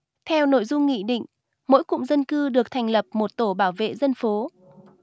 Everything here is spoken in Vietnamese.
theo nội dung nghị định mỗi cụm dân cư được thành lập một tổ bảo vệ dân phố